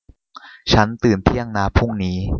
ฉันตื่นเที่ยงนะพรุ่งนี้